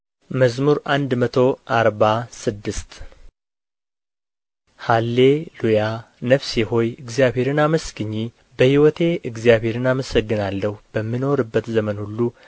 መዝሙር መቶ አርባ ስድስት ሃሌ ሉያ ነፍሴ ሆይ እግዚአብሔርን አመስግኚ በሕይወቴ እግዚአብሔርን አመሰግናለሁ በምኖርበት ዘመን ሁሉ